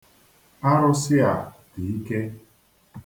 Arusị a dị ike.